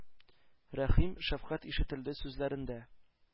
Рәхим, шәфкать ишетелде сүзләрендә.